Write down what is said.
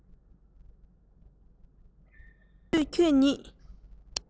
ད བཟོད ཁྱོད ཉིད